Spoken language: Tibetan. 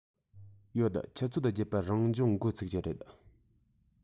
ཡོད ཆུ ཚོད བརྒྱད པར རང སྦྱོང འགོ ཚུགས ཀྱི རེད